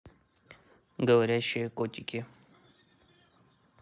говорящие котики